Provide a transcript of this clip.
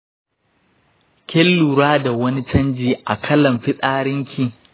kin lura da wani canji a kalan fitsarinki?